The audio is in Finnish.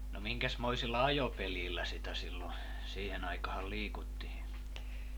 no minkäsmoisilla ajopeleillä sitä silloin siihen aikaan liikuttiin